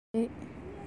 རེད